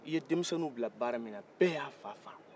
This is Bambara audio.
i ye dɛmisɛnninw bila baara min na bɛɛ y'a fa faga